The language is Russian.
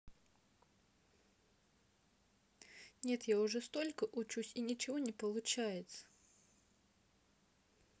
нет я уже столько учусь и ничего не получается